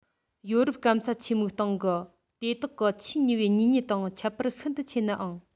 ཡོ རོབ སྐམ ས ཆེན མོའི སྟེང གི དེ དག གི ཆེས ཉེ བའི གཉེན ཉེ དང ཁྱད པར ཤིན ཏུ ཆེ ནའང